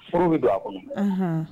Furu bɛ don a kɔnɔ